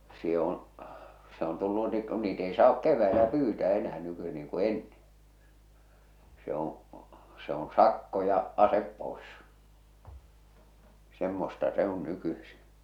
se on se on tullut niin kun niitä ei saa keväällä pyytää enää - niin kuin ennen se on se on sakko ja ase pois semmoista se on nykyisin